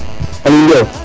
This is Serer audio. Aliou Ndiaye